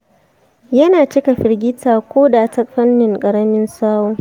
yana cika firgita ko da ta fannin ƙaramin sau